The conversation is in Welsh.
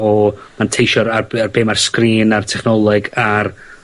o manteisio ar ar be' ma'r sgrîn a'r technoleg a'r